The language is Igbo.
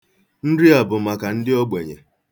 Nri a bụ maka ndị ogbenye.